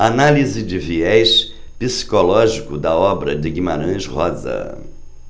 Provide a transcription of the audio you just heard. análise de viés psicológico da obra de guimarães rosa